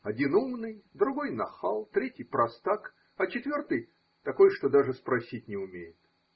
Один – умный, другой – нахал, третий – простак, а четвертый – такой, что даже спросить не умеет.